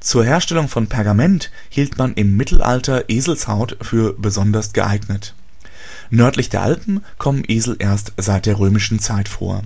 Zur Herstellung von Pergament hielt man im Mittelalter Eselhaut für besonders geeignet. Nördlich der Alpen kommen Esel erst seit der römischen Zeit vor